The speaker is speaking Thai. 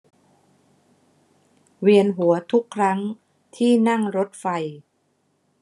เวียนหัวทุกครั้งที่นั่งรถไฟ